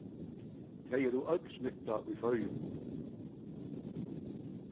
tey eru øll smittað í føroyum